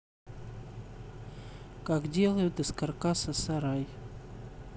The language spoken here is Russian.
как делают из каркаса сарай